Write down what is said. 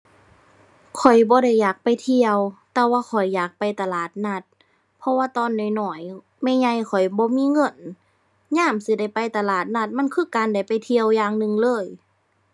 ข้อยบ่ได้อยากไปเที่ยว แต่ว่าข้อยอยากไปตลาดนัด เพราะว่าตอนน้อยน้อย แม่ใหญ่ข้อยบ่มีเงิน ยามสิได้ไปตลาดนัด มันคือการได้ไปเที่ยวอย่างหนึ่งเลย